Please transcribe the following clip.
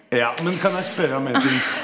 ja men kan jeg spørre om en ting?